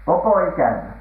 koko ikänne